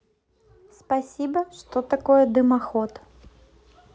спасибо что такое дымоход